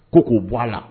Ko k'u bɔ a la